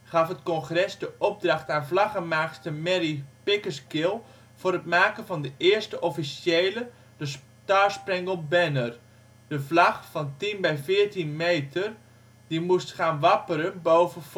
het Congres de opdracht aan vlaggenmaakster Mary Pickersgill voor het maken van de eerste officiële " Star-Spangled Banner ", de vlag van 10 bij 14 meter die moest gaan wapperen boven